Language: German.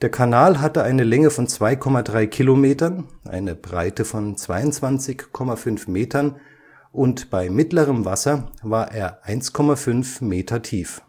Kanal hatte eine Länge von 2,3 Kilometern, eine Breite von 22,5 Metern und bei mittlerem Wasser war er 1,5 Meter tief